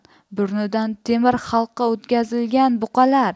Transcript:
burnidan temir halqa o'tkazilgan buqalar